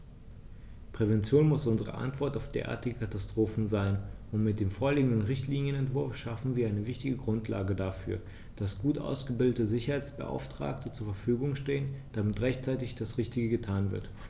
Prävention muss unsere Antwort auf derartige Katastrophen sein, und mit dem vorliegenden Richtlinienentwurf schaffen wir eine wichtige Grundlage dafür, dass gut ausgebildete Sicherheitsbeauftragte zur Verfügung stehen, damit rechtzeitig das Richtige getan wird.